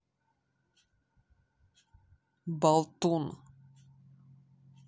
болтун